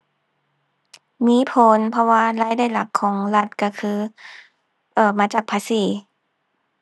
มีผลเพราะว่ารายได้หลักของรัฐก็คือ เอ่อ มาจากภาษี